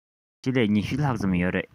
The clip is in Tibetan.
ཆེད ལས ༢༠ ལྷག ཙམ ཡོད རེད